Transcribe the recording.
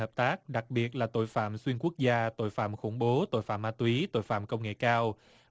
hợp tác đặc biệt là tội phạm xuyên quốc gia tội phạm khủng bố tội phạm ma túy tội phạm công nghệ cao